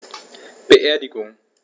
Beerdigung